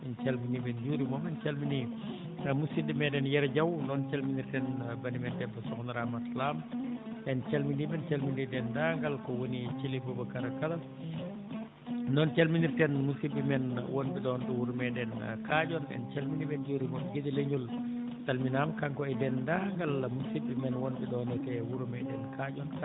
en calminii ɓe en njuuriima mo en calminii musidɗo meeɗen Yero Diaw noon calminirten banimen debbo sokhna Ramata Lam en calminii ɓe enn calminii denndaangal ko woni Thile Boubacara kala noon calminirten musidɓe men wonɓe ɗon ɗo wuro meeɗen Kaaƴon en calminii ɓe en njuuriima ɓe giɗo leñol salminama kanko e denndaangal musidɓe men wonɓe ɗoo ne kay wuro meeɗen Kaƴon